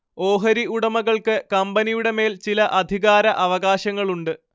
ഓഹരി ഉടമകൾക്ക് കമ്പനിയുടെ മേൽ ചില അധികാരഅവകാശങ്ങളുണ്ട്